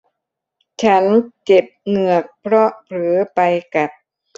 ฉันเจ็บเหงือกเพราะเผลอไปกัด